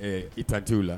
Ɛɛ i taa t' u la